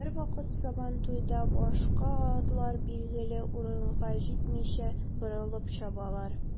Бервакыт сабантуйда башка атлар билгеле урынга җитмичә, борылып чабалар.